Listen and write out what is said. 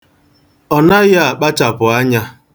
Ọ naghị akpachapụ anya.